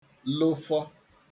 lofọ